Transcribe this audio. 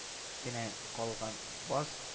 Генә калган баз